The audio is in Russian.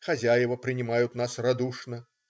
Хозяева принимают нас радушно.